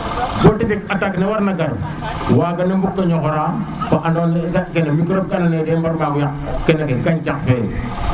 bo tepit attaque ne war na gar wago na mbug ko ñoxora fo ando na ye kat microbe ke andona ye den ɓar mbago yaq kene ke gancax fe